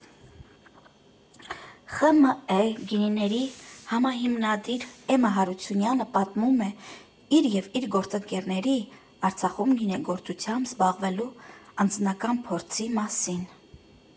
ԽՄԷ գինիների համահիմնադիր Էմմա Հարությունյանը պատմում է իր և իր գործընկերների՝ Արցախում գինեգործությամբ զբաղվելու անձնական փորձի մասին։